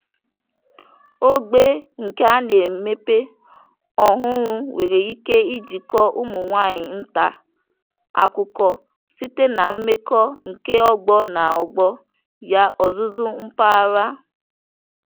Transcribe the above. Ogbe nke a na-emepe ọhụrụ nwere ike ịjikọ ụmụ nwaanyị nta akụkọ site na mmekọ nke ọgbọ na ọgbọ ya ọzụzụ mpaghara.